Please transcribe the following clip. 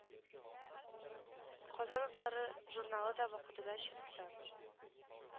Казан утлары журналы да вакытыда чыкты